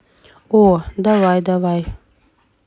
о давай давай